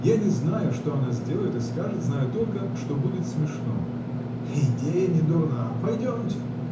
Я не знаю, что она сделает и скажет, знаю только, что будет смешно. — Идея недурна: пойдемте.